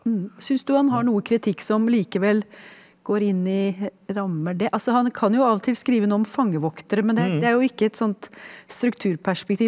syns du han har noen kritikk som likevel går inn i rammer det altså han kan jo av og til skrive noe om fangevoktere, men det det er jo ikke et sånt strukturperspektiv.